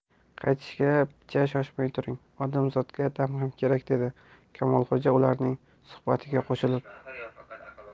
qaytishga picha shoshmay turing odamzodga dam ham kerak dedi kamolxo'ja ularning suhbatiga qo'shilib